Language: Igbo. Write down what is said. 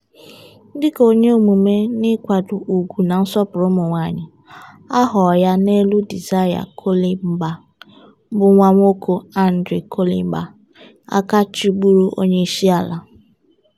Dịka onye omume n'ịkwado ùgwù na nsọpụrụ ụmụnwaanyị, a họrọ ya n'elu Desire Kolingba, bụ nwa nwoke André Kolingba, aka chịburu onyeisiala.